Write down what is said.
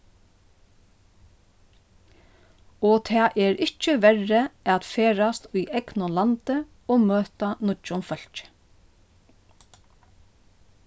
og tað er ikki verri at ferðast í egnum landi og møta nýggjum fólki